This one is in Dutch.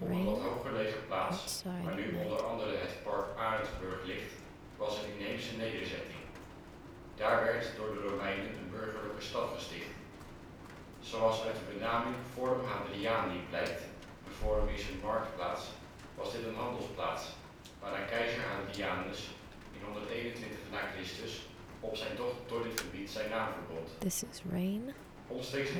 wat hooggelegen plaats waar nu o.a. het park Arentsburgh ligt, was een inheemse nederzetting. Daar werd door de Romeinen een burgerlijke stad gesticht. Zoals uit de benaming Forum Hadriani blijkt (forum = marktplaats) was dit een handelsplaats, waaraan keizer Hadrianus in 121 na Chr. op zijn tocht door dit gebied zijn naam verbond. Omstreeks